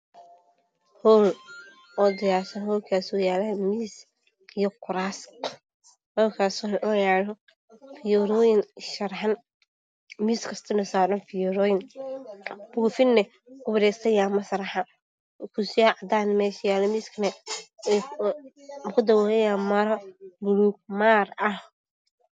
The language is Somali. Waa hool waxaa yaalo kuraasman iyo miisas hoolkaas oo leh fiyoorooyin sharxan oo miis kasta saaran, buufina uu kuwareegsan yahay maslaxa, kursiyo cadaan ah ayaa meesha yaalo miiskana waxaa kudaboolan maro buluug maar ah.